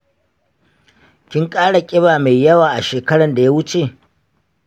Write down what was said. kin ƙara ƙiba mai yawa a shekaran da ya wuce?